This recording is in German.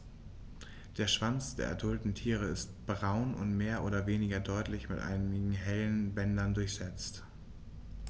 Der Schwanz der adulten Tiere ist braun und mehr oder weniger deutlich mit einigen helleren Bändern durchsetzt.